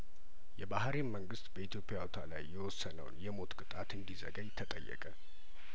የባህሬን መንግስት በኢትዮጵያዊቷ ላይ የወሰነውን የሞት ቅጣት እንዲዘገይ ተጠየቀ